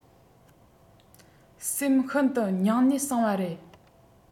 སེམས ཤིན དུ སྙིང ནད སངས པ རེད